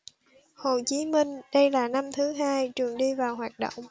hồ chí minh đây là năm thứ hai trường đi vào hoạt động